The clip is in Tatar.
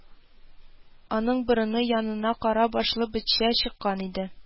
Аның борыны янына кара башлы бетчә чыккан иде